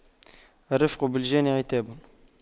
الرفق بالجاني عتاب